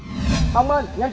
thông minh nhanh